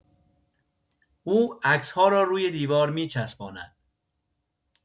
او عکس‌ها را روی دیوار می‌چسباند